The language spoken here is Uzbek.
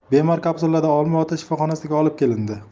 bemor kapsulada olmaota shifoxonasiga olib kelindi